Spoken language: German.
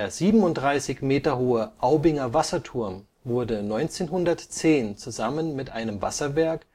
37 Meter hohe Aubinger Wasserturm wurde 1910 zusammen mit einem Wasserwerk